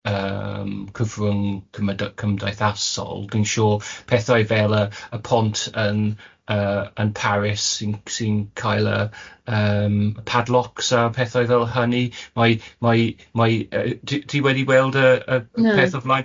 yym cyfrwng cymde- cymdeithasol, dwi'n siŵr, pethau fel y y pont yn yy yn Paris sy'n sy'n cael y yym padlocks a pethau fel hynny, mai mai mai yy ti ti wedi weld y y peth... Na. ...o flaen?